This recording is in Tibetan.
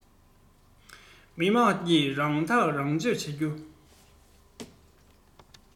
མི དམངས ཀྱིས རང ཐག རང གཅོད བྱ རྒྱུ